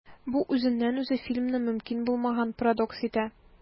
Бу үзеннән-үзе фильмны мөмкин булмаган парадокс итә.